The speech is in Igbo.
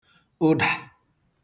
ụḍà